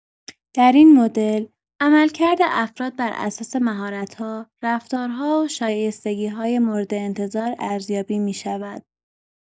در این مدل، عملکرد افراد بر اساس مهارت‌ها، رفتارها و شایستگی‌های مورد انتظار ارزیابی می‌شود؛